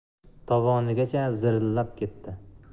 tovonigacha zirillab ketdi